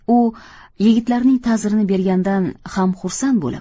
u yigitlarning ta'zirini berganidan ham xursand bo'lib